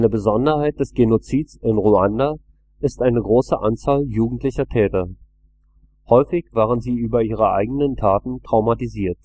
Besonderheit des Genozids in Ruanda ist eine große Anzahl jugendlicher Täter. Häufig waren sie über ihre eigenen Taten traumatisiert